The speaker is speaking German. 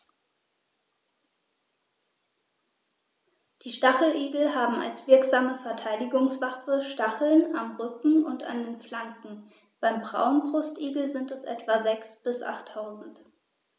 Die Stacheligel haben als wirksame Verteidigungswaffe Stacheln am Rücken und an den Flanken (beim Braunbrustigel sind es etwa sechs- bis achttausend).